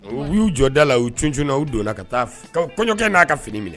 U y'u jɔ da la u cun cun na u don na ka taa kɔɲɔkɛ n'a ka fini minɛ